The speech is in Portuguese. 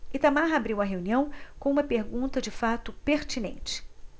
itamar abriu a reunião com uma pergunta de fato pertinente